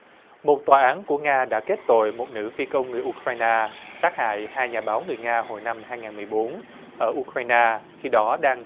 một tòa án của nga đã kết tội một nữ phi công người u cờ roay na sát hại hai nhà báo người nga hồi năm hai ngàn mười bốn ở u cờ roay na khi đó đang